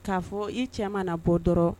K'a fɔ i cɛ mana bɔ dɔrɔn